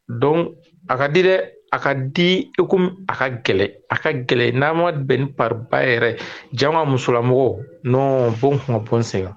Don a ka di dɛ a ka di eko a ka gɛlɛn a ka gɛlɛn n'a ma bɛn paba yɛrɛ jan ka musola n bon kunna bon sen